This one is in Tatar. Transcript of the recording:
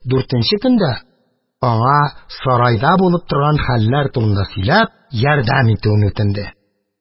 Дүртенче көндә аңа сарайда булып торган хәлләр турында сөйләп, ярдәм итүен үтенде.